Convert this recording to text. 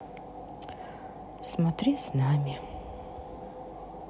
смотри с нами